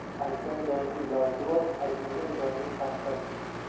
aytgan joyning zavqi bor aytmagan joyning xavfi